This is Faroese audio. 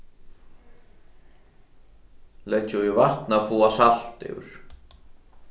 leggja í vatn at fáa salt úr